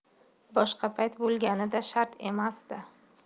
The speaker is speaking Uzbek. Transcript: boshqa payt bo'lganida shart emasdi